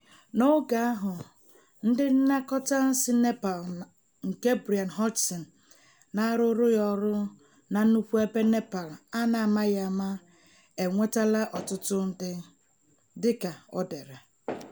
N'oge ahụ ndị nnakọta si Nepal nke Brian Hodgson na-arụụrụ ya ọrụ na nnukwu ebe Nepal a na-amaghị ama enwetaala ọtụtụ ụdị, ka o dere.